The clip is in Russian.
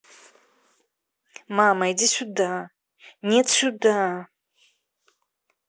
мама иди сюда нет сюда